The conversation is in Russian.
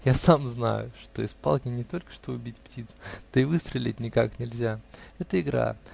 Я сам знаю, что из палки не только что убить птицу, да и выстрелить никак нельзя. Это игра.